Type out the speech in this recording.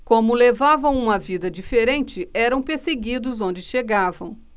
como levavam uma vida diferente eram perseguidos onde chegavam